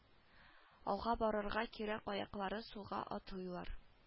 Алга барырга кирәк аяклары сулга атлыйлар